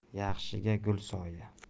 yaxshiga gul soya